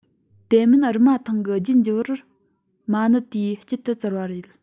དེ མིན རི མ ཐང གི རྒྱུད འགྱུར བར མ ནི དེའི དཀྱིལ དུ བཙིར བ རེད